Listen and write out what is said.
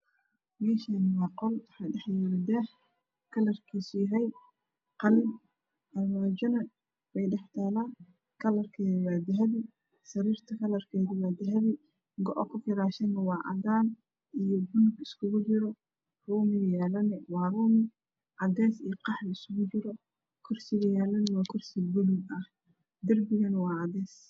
Meshanu waa qol uu yalao dah kalarkiisu yahay qalin armajo dahabiyana waay tala sariirta waa dahabi go aa sarana waa qalin rumi qaliya